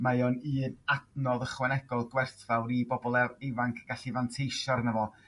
mae o'n un adnodd ychwanegol gwerthfawr i bobol ifanc gallu fanteisio arno fo